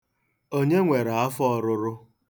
Onye nwere afọ ọrụrụ?